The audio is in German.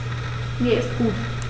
Mir ist gut.